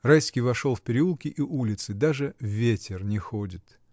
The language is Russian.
Райский вошел в переулки и улицы: даже ветер не ходит.